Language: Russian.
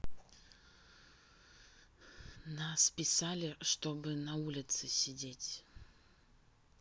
на списали чтобы на улице сидеть